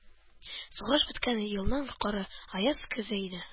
Сугыш беткән елның коры, аяз көзе иде.